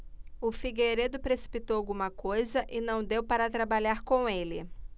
o figueiredo precipitou alguma coisa e não deu para trabalhar com ele